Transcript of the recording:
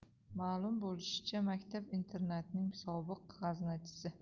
ma'lum bo'lishicha maktab internatning sobiq g'aznachisi